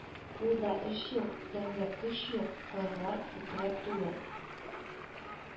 Кулда эш юк, тәндә көч юк, кайгылар күкрәк тулы